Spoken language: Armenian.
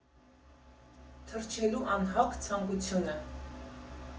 Թռչելու անհագ ցանկությունը։